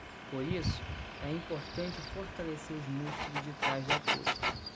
por isso é importante fortalecer os músculos de trás da coxa